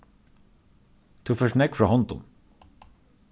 tú fært nógv frá hondum